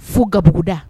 Fo gabuguuguda